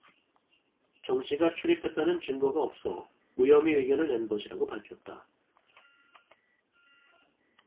정씨가 출입했다는 증거가 없어 무혐의 의견을 낸 것이라고 밝혔다